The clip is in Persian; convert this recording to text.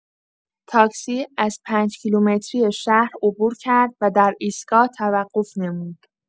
تاکسی از پنج‌کیلومتری شهر عبور کرد و در ایستگاه توقف نمود.